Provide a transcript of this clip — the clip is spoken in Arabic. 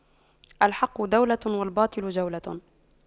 الحق دولة والباطل جولة